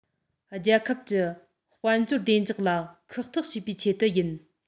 རྒྱལ ཁབ ཀྱི དཔལ འབྱོར བདེ འཇགས ལ ཁག ཐེག བྱེད པའི ཆེད དུ ཡིན